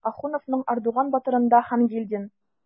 Ахуновның "Ардуан батыр"ында Хангилдин.